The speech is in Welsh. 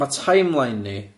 Ma' timeline ni.